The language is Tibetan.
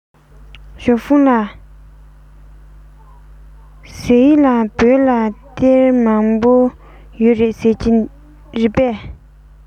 ཞའོ ཧྥུང ལགས ཟེར ཡས ལ བོད ལ གཏེར མང པོ ཡོད རེད ཟེར གྱིས རེད པས